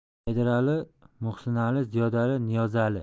haydarali muhsinali ziyodali niyozali